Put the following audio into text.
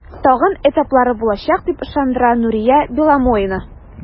Тагын этаплары булачак, дип ышандыра Нурия Беломоина.